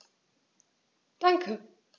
Danke.